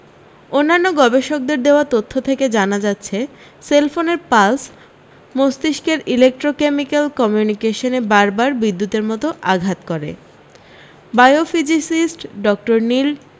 অন্যান্য গবেষকের দেওয়া তথ্য থেকে জানা যাচ্ছে সেলফোনের পালস মস্তিষ্কের ইলেকট্রোকেমিক্যাল কমিউনিকেশনে বারবার বিদ্যুতের মতো আঘাত করে বায়োফিজিসিস্ট ডক্টর নিল